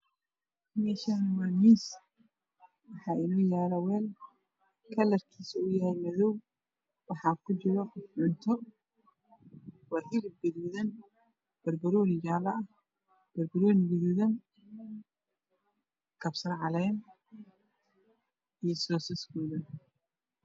Halkan waa yalo mis kalar kisi waa madow waxaa saran saxan kalar kisi waa qalin waxaa kujiro hiliib iyo basal iyo